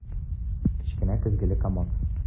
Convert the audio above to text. Кечкенә көзгеле комод.